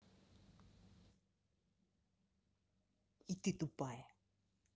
и ты тупая